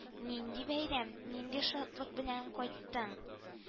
Нинди бәйрәм, нинди шатлык белән кайттың